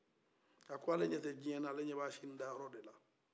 a ko ale ɲɛ tɛ dunuya la ale ɲɛbɛ a sini d'a yɔrɔ de la